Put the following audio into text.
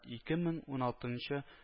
Ике мең уналтынчы